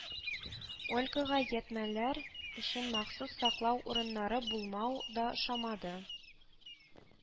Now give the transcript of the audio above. Ольгага ятьмәләр өчен махсус саклау урыннары булмау да ошамады